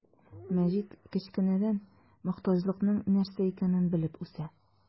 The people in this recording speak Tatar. Мәҗит кечкенәдән мохтаҗлыкның нәрсә икәнен белеп үсә.